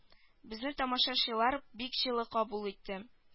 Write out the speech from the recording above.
Безне тамашачылар бик җылы кабул итте